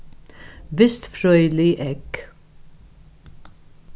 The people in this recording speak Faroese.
vistfrøðilig egg